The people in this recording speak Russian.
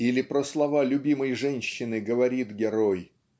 Или про слова любимой женщины говорит герой